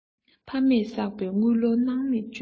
ཕ མས བསགས པའི དངུལ ལོར སྣང མེད སྤྱོད